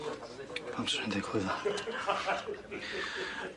Pam swn i'n deu clwydda?